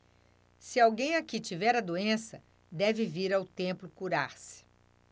se alguém aqui tiver a doença deve vir ao templo curar-se